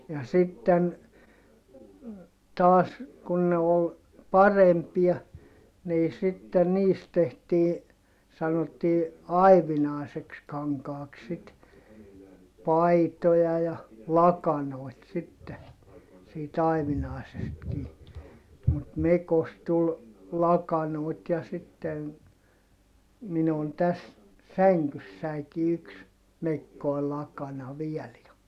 ja sitten taas kun ne oli parempia niin sitten niistä tehtiin sanottiin aivinaiseksi kankaaksi sitten paitoja ja lakanoita sitten siitä aivinaisestakin mutta mekosta tuli lakanoita ja sitten minun on tässä sängyssänikin yksi mekkoinen lakana vielä ja